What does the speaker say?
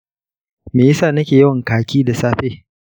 me yasa nake yawan kaki da safe?